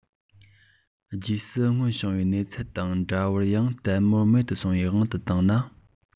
རྗེས སུ སྔར བྱུང བའི གནས ཚུལ དང འདྲ བར ཡང དལ མོར མེད དུ སོང བའི དབང དུ བཏང ན